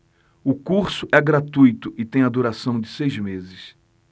o curso é gratuito e tem a duração de seis meses